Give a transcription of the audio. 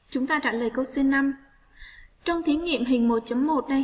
chúng ta trả lời câu c trong thí nghiệm hình chấm